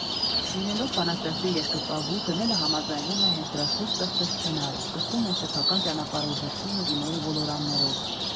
Լինելով բանաստեղծի երկրպագու՝ Գնելը համաձայնվում է հենց դրա շուրջ ստեղծել սցենարը, սկսում են սեփական ճանապարհորդությունը կինոյի ոլորաններով։